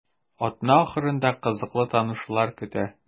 Атна ахырында кызыклы танышулар көтә.